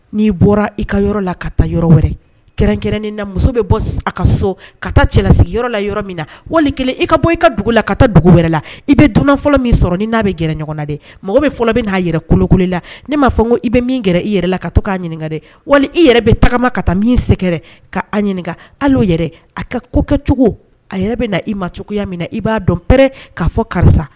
N'i bɔra i ka yɔrɔ la ka taa yɔrɔ wɛrɛ kɛrɛnkɛrɛn na muso bɛ bɔ a ka so ka taa cɛlasigi yɔrɔ la yɔrɔ min na wali i ka bɔ i ka dugu la ka dugu wɛrɛ la i bɛ dunan fɔlɔ min sɔrɔ n'a bɛ g ɲɔgɔnna mɔgɔ bɛ fɔlɔ bɛ n'a yɛrɛ kolo la ne m'a fɔ ko i bɛ min kɛra i yɛrɛ la ka to'a ɲininka wali i yɛrɛ bɛ tagama ka taa min sɛgɛrɛ ka ɲininka yɛrɛ a kɛ ko kɛcogo a bɛ na i ma cogoyaya min na i b'a dɔnpɛ k'a fɔ karisa